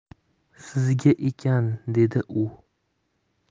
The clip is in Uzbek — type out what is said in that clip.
sizga ekan dedi u